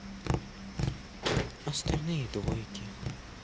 остальные двойки